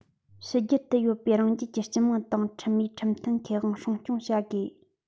ཕྱི རྒྱལ དུ ཡོད པའི རང རྒྱལ གྱི སྤྱི དམངས དང ཁྲིམས མིའི ཁྲིམས མཐུན ཁེ དབང སྲུང སྐྱོང བྱ དགོས